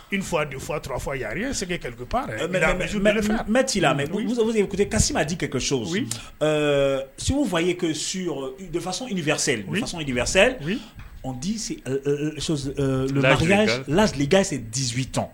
I fɔ a fɔtura fɔse ka mɛ t cii la mɛ kasi' di kɛ ka so segu fa ye ko su defasɔndibiyadibiya la ladili kase di vt